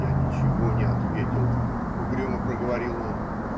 -- Я ничего не ответил, -- угрюмо проговорил он.